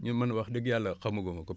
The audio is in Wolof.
nii man wax dëgg Yàlla xama gu ma ko